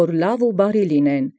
Բարեացն քաջութիւն։